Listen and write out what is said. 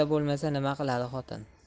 erda bo'lmasa nima qiladi xotin